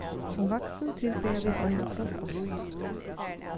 sum vaksin tilbiðja vit ein og hvønn ost